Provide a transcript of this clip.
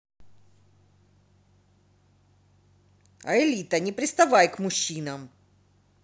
аэлита не приставай к мужчинам